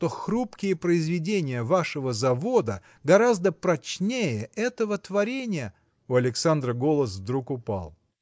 что хрупкие произведения вашего завода гораздо прочнее этого творения. У Александра голос вдруг упал.